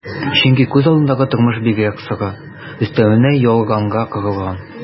Чөнки күз алдындагы тормыш бигрәк соры, өстәвенә ялганга корылган...